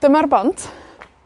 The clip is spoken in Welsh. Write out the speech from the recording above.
dyma'r bont,